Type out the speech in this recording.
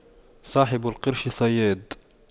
صاحب القرش صياد